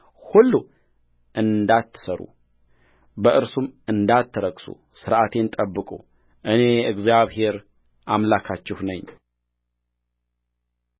ሁሉ እንዳትሠሩ በእርሱም እንዳትረክሱ ሥርዓቴን ጠብቁ እኔ እግዚአብሔር አምላካችሁ ነኝ